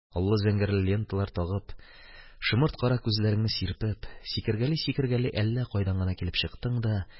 Аллы-зәңгәрле ленталар тагып, шомырт кара күзләреңне сирпеп, сикергәли-сикергәли әллә кайдан гына килеп чыктың да